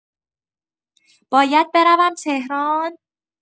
باید بروم تهران؟